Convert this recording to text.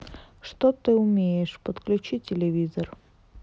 что ты умеешь подключи телевизор